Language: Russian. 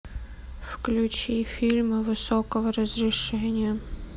включи фильмы высокого разрешения